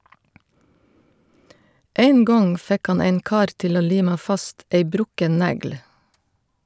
Ein gong fekk han ein kar til å lima fast ei brukken negl.